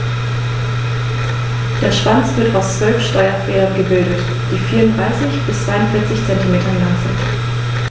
Der Schwanz wird aus 12 Steuerfedern gebildet, die 34 bis 42 cm lang sind.